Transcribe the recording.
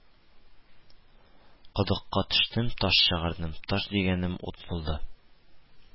Кодыкка төштем, таш чыгардым,- Таш дигәнем ут булды